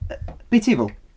Yy be ti'n feddwl?